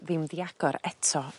ddim 'di agor eto